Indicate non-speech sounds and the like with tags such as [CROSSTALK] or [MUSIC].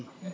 [HESITATION]